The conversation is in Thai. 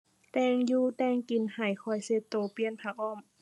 แต่งอยู่แต่งกินให้ คอยเช็ดเช็ด เปลี่ยนผ้าอ้อม